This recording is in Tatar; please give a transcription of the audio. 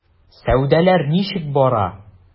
Сәүдәләр ничек бара?